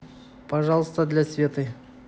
пожалуйста для светы